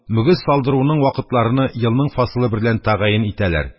Мөгез салдыруның вакытларыны елның фасылы берлән тәгъйин итәләр